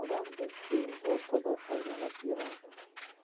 odamdek shu o'rtada aylanib yurardi